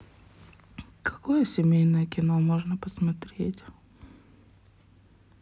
какое семейное кино можно посмотреть